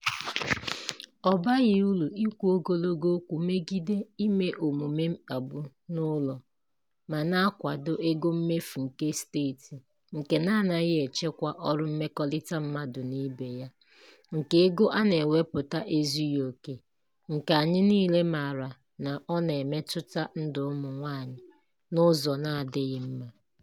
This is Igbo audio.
Ọ baghị uru ikwu ogologo okwu megide ime omume mkpagbu n'ụlọ ma na-akwado ego mmefu nke steeti nke na-anaghị echekwa ọrụ mmekọrịta mmadụ na ibe ya, nke ego a na-ewepụta ezughị oke nke anyị niile maara na ọ na-emetụta ndụ ụmụ nwaanyị n'ụzọ na-adịghị mma.